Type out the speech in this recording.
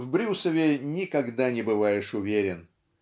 В Брюсове никогда не бываешь уверен.